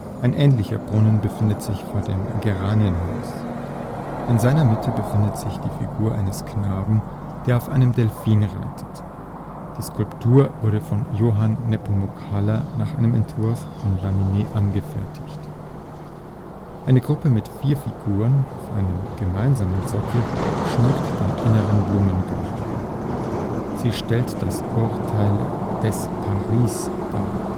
Ein ähnlicher Brunnen befindet sich vor dem Geranienhaus. In seiner Mitte befindet sich die Figur eines Knaben, der auf einem Delphin reitet. Die Skulptur wurde von Johann Nepomuk Haller nach einem Entwurf von Lamine angefertigt (1818). Eine Gruppe mit vier Figuren auf einem gemeinsamen Sockel schmückt den Mittleren Blumengarten. Sie stellt das Urteil des Paris dar